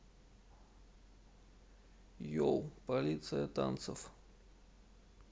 йол полиция танцев